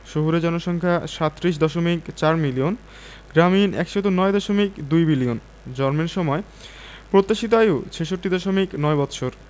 শহুরে জনসংখ্যা ৩৭দশমিক ৪ মিলিয়ন গ্রামীণ ১০৯দশমিক ২ মিলিয়ন জন্মের সময় প্রত্যাশিত আয়ু ৬৬দশমিক ৯ বৎসর